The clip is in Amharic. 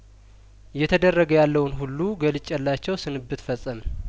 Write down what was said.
እየተደረገ ያለውን ሁሉ ገልጬላቸው ስንብት ፈጸምን